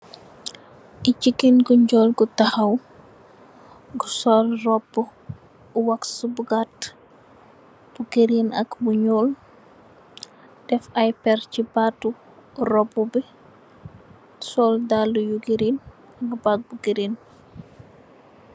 Jegueen ku njul ku takaw gu sol robbu wax bu gatta green ak bu nyul def ay perr ci batu robbu bi sol dalla yu green mbuba bu green.